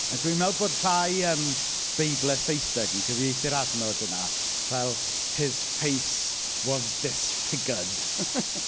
A dwi'n meddwl bod rhai yym, beiblau Saesneg yn cyfieithu'r adnod yna fel, "His face was disfigured." .